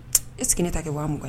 E sigi ta kɛ waugan ye